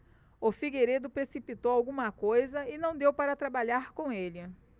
o figueiredo precipitou alguma coisa e não deu para trabalhar com ele